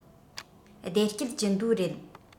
བདེ སྐྱིད ཀྱི མདོ རེད